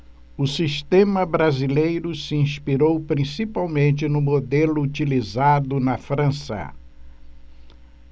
o sistema brasileiro se inspirou principalmente no modelo utilizado na frança